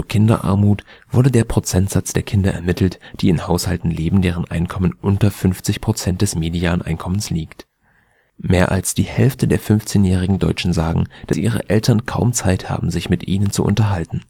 Kinderarmut wurde der Prozentsatz der Kinder ermittelt, die in Haushalten leben, deren Einkommen unter 50 % des Median-Einkommens liegt. " Mehr als die Hälfte der 15-jährigen Deutschen sagen, dass ihre Eltern kaum Zeit haben, sich mit ihnen zu unterhalten.